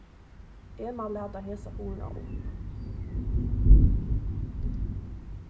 eg má lata hesa hurðina upp